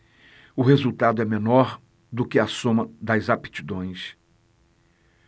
o resultado é menor do que a soma das aptidões